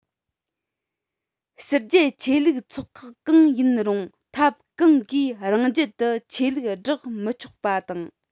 ཕྱི རྒྱལ ཆོས ལུགས ཚོགས ཁག གང ཡིན རུང ཐབས གང གིས རང རྒྱལ དུ ཆོས ལུགས བསྒྲག མི ཆོག པ དང